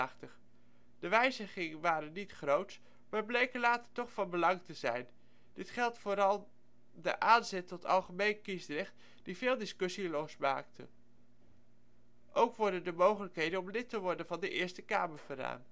De wijzigingen waren niet groots, maar bleken later toch van belang te zijn. Dit geldt vooral voor de aanzet tot algemeen kiesrecht, die veel discussie losmaakte. Ook worden de mogelijkheden om lid te worden van de Eerste Kamer verruimd